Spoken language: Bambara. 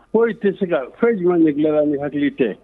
Foyi tɛ se, fɛn juman ye dilan ni hakili tɛ?